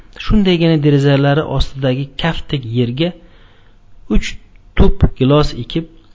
shundaygina derazalari ostidagi kaftdek yerga uch tup gilos ekib